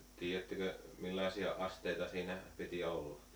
tiedättekö millaisia asteita siinä piti olla